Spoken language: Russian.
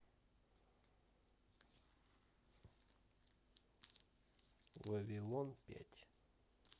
вавилон пять